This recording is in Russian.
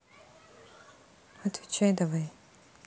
отвечай давай